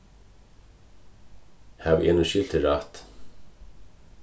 havi eg nú skilt teg rætt